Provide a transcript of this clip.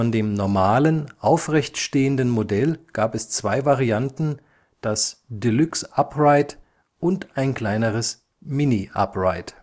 dem normalen, aufrecht stehenden Modell gab es zwei Varianten, das „ deluxe upright “und ein etwas kleineres „ mini upright